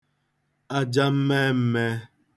aja mmem̄mē